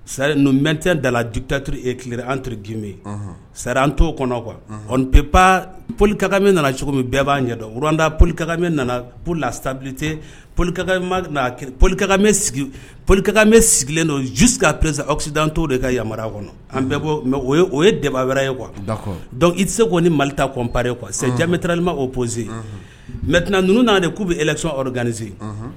Sari ninnu nptɛn da dutaure ki antourri gbe sara an to kɔnɔ qup pan polikakamɛ nana cogo min bɛɛ b'a ɲɛ dɔnɔrɔnda polilikamɛ nana pla tabiteoli polikaka polikakamɛ sigilen don jus ka peresa awsid tɔw de ka yamaruya kɔnɔ an bɛ bɔ mɛ o o ye debaa wɛrɛ ye kuwa dɔnkuc i tɛ se' ni mali ta kɔnpɛre qu kuwame tlima o pze mɛt ninnuun n'a de k'u bɛ es gananie